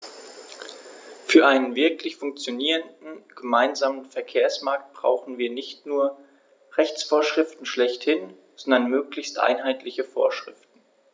Für einen wirklich funktionierenden gemeinsamen Verkehrsmarkt brauchen wir nicht nur Rechtsvorschriften schlechthin, sondern möglichst einheitliche Vorschriften.